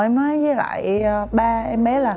nói dới lại ờ ba em bé là